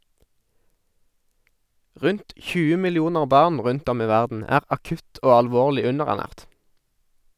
Rundt 20 millioner barn rundt om i verden er akutt og alvorlig underernært.